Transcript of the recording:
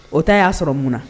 O ta y'a sɔrɔ mun na?